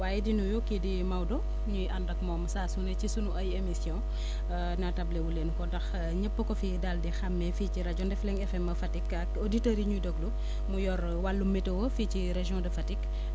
waaye di nuyu kii di Maodo ñuy ànd ak moom saa su ne ci sunu ay émission naatable wu leen ko ndax ñëpp a ko fiy daal di xàmmee fii ci rajo Ndefleng FM bu Fatick ak auditeurs yi ñuy déglu mu yor wàllu météo fii ci région de Fatick